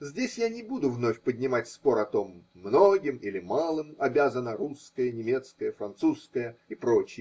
Здесь я не буду вновь поднимать спор о том, многим или малым обязана русская, немецкая, французская и пр.